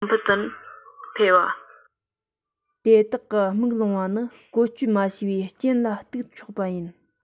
དེ དག གི མིག ལོང བ ནི བཀོལ སྤྱོད མ བྱས པའི རྐྱེན ལ གཏུག ཆོག པ ཡིན